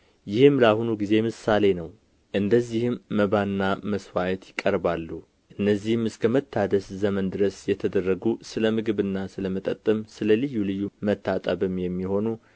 ይህም ለአሁኑ ጊዜ ምሳሌ ነው እንደዚህም መባና መስዋዕት ይቀርባሉ እነዚህም እስከ መታደስ ዘመን ድረስ የተደረጉ ስለ ምግብና ስለ መጠጥም ስለ ልዩ ልዩ መታጠብም የሚሆኑ